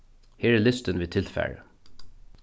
her er listin við tilfari